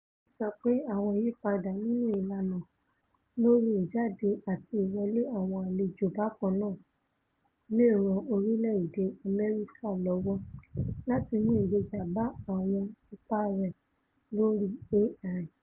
Lee sọ pé àwọn ìyípadà nínú ìlàna lórí ìjáde àti ìwọlé àwọn àlejò bákannáà leè ran orílẹ̀-èdè U.S. lọ́wọ́ láti mú ìgbéga bá àwọn ipá rẹ̀ lórí AI.